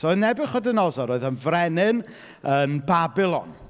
So Nebiwchodynosor, oedd o'n frenin yn Babilon.